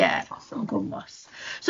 Ie, ym gwmws.